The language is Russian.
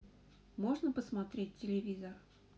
можно посмотреть телевизор